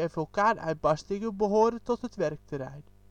vulkaanuitbarstingen behoren tot het werkterrein